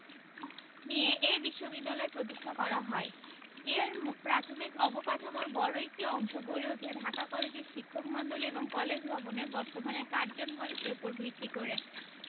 নিয়ে এ বিশ্ববিদ্যালয় প্রতিষ্ঠা করা হয় এর ম প্রাথমিক অবকাঠামোর বড় একটি অংশ গড়ে উঠে ঢাকা কলেজের শিক্ষকমন্ডলী এবং কলেজ ভবনের বর্তমান কার্জন হল উপর ভিত্তি করে